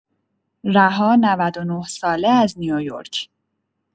رها ۹۹ ساله از نیویورک